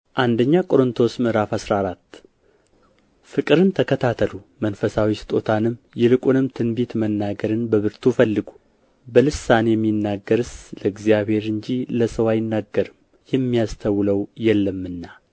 አንደኛ ቆሮንጦስ ምዕራፍ አስራ አራት ፍቅርን ተከታተሉ መንፈሳዊ ስጦታንም ይልቁንም ትንቢት መናገርን በብርቱ ፈልጉ በልሳን የሚናገርስ ለእግዚአብሔር እንጂ ለሰው አይናገርም የሚያስተውለው የለምና